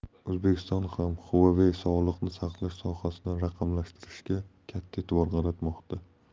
o'zbekistonda ham huawei sog'liqni saqlash sohasini raqamlashtirishga katta e'tibor qaratmoqda